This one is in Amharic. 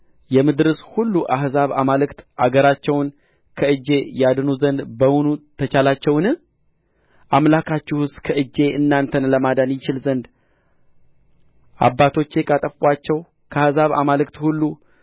የምድርስ ሁሉ አሕዛብ አማልክት አገራቸውን ከእጄ ያድኑ ዘንድ በውኑ ተቻላቸውን አምላካችሁስ ከእጄ እናንተን ለማዳን ይችል ዘንድ አባቶቼ ካጠፉአቸው ከአሕዛብ አማልክት ሁሉ